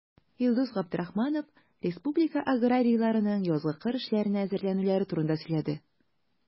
Илдус Габдрахманов республика аграрийларының язгы кыр эшләренә әзерләнүләре турында сөйләде.